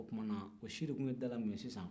o tumana o siri kun ye mun ye da la sisan